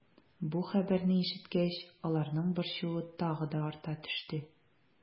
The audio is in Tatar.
Бу хәбәрне ишеткәч, аларның борчуы тагы да арта төште.